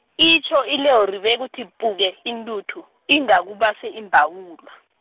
itjho ilori bekuthi puke intuthu, inga kubaswe imbawula.